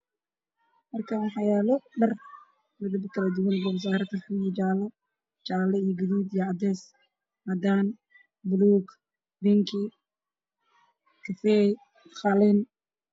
Meeshaan waxaa yaalo dhar farabadan oo kaleerkooda yahay cadaan madow iyo bangi